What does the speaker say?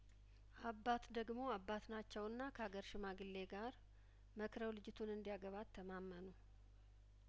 አባት ደግሞ አባት ናቸውና ከሀገር ሽማግሌ ጋር መክረው ልጅቱን እንዲያገባት ተማመኑ